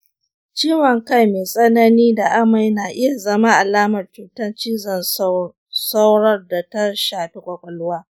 ciwon kai mai tsanani da amai na iya zama alamar cutar cizon sauror da ta shafi ƙwaƙwalwa.